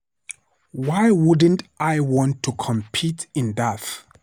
Why wouldn't I want to compete in that?"